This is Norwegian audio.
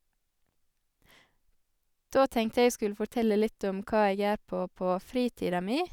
Da tenkte jeg jeg skulle fortelle litt om hva jeg gjør på på fritida mi.